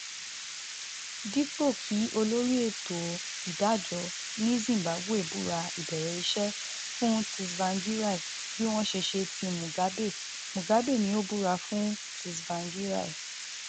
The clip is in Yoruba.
Dípò kí Olórí Ètò Ìdájọ́ ní Zimbabwe búra ìbẹ̀rẹ̀ iṣẹ́ fún Tsvangirai bí wọ́n ṣe ṣe ti Mugabe, Mugabe ni ó búra fún Tsvangirai.